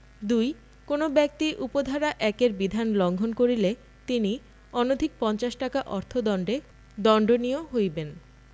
২ কোন ব্যক্তি উপ ধারা ১ এর বিধান লংঘন করিলে তিনি অনধিক পঞ্চাশ টাকা অর্থদন্ডে দন্ডনীয় হইবেন